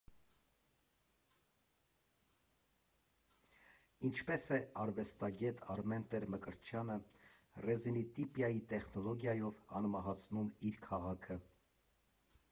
Ինչպես է քրվեստագետ Արմեն Տեր֊Մկրտչյանը ռեզինիտիպիայի տեխնոլոգիայով անմահացնում իր քաղաքը։